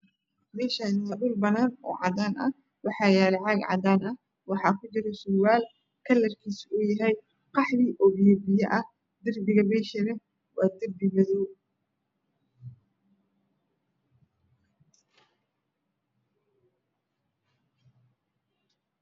Meshan wa dhul banan oo cadanah waxa yala Cag cadan ah waxa kujira surwal klarkisu uuyahay Qaxwi oo biya biyaha darbiga meshane waa darbi gadud